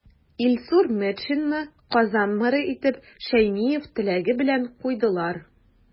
Илсур Метшинны Казан мэры итеп Шәймиев теләге белән куйдылар.